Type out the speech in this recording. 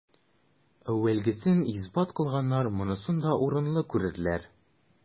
Әүвәлгесен исбат кылганнар монысын да урынлы күрерләр.